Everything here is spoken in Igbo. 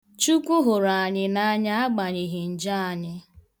Chukwu hụrụ anyị n' anya agbanyeghi njọ anyị.